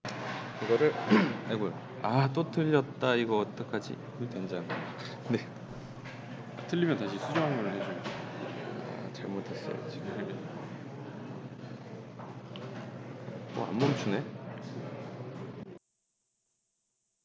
지난해 우리나라 무역 규모는 이 쩜 이 퍼센트 증가하고 수출은 이 쩜 사 퍼센트 수입은 이 쩜 공 퍼센트 늘었다